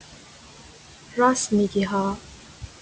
راست می‌گی ها